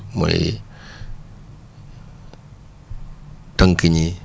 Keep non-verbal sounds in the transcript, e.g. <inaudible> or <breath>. muy <breath> tënk ñii